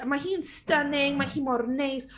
A mae hi yn stunning, mae hi mor neis...